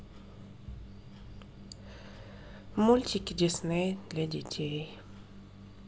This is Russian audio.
мультики дисней для детей